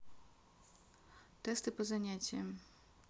тесты по занятиям